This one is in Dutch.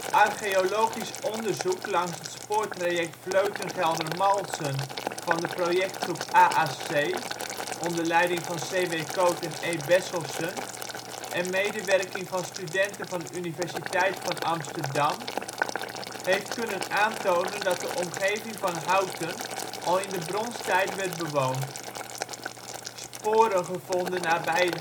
Archeologisch onderzoek langs het spoortraject Vleuten-Geldermalsen van de projectgroep AAC (onder leiding van C.W.Koot en E. Besselsen) en medewerking van studenten van de Universiteit van Amsterdam, heeft kunnen aantonen dat de omgeving van Houten al in de Bronstijd werd bewoond. Sporen gevonden nabij